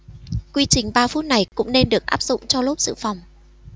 quy trình ba phút này cũng nên được áp dụng cho lốp dự phòng